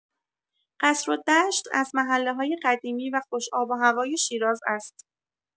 قصرالدشت از محله‌های قدیمی و خوش آب و هوای شیراز است.